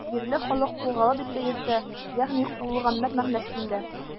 Җирле халык Кугалы дип тә йөртә, ягъни “куылганнар” мәгънәсендә.